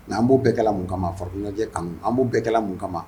N'an b'o bɛɛ kɛ mun kama farajɛ an' bɛɛkɛla mun kama